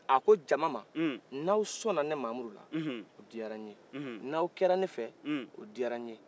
a ko jama ma n'aw sɔna ne mamudu la o diyara nye n'aw kɛra ne fɛ o diyara nye